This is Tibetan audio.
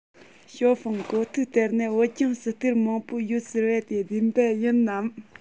ཞའོ ཧྥུང གོ ཐོས ལྟར ན བོད ལྗོངས སུ གཏེར མང པོ ཡོད ཟེར བ དེ བདེན པ ཡིན ནམ